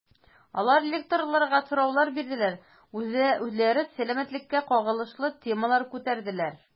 Алар лекторларга сораулар бирделәр, үзләре сәламәтлеккә кагылышлы темалар күтәрделәр.